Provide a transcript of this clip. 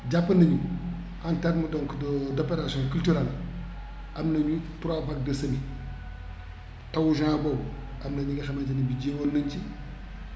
jàpp nañu en terme donc de d' opération culturale am nañu trois vagues de semis tawu juin boobu am na ñi nga xamante ne bi jiwoon nañ ci